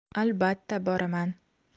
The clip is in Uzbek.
albalta boraman